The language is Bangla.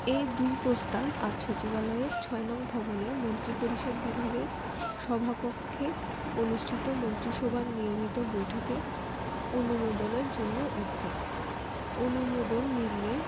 এ দুই প্রস্তাব আজ সচিবালয়ের ৬ নং ভবনের মন্ত্রিপরিষদ বিভাগের সভাকক্ষে অনুষ্ঠিত মন্ত্রিসভার নিয়মিত বৈঠকে অনুমোদনের জন্য উঠবে অনুমোদন মিললে